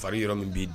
Fa yɔrɔ min b'i di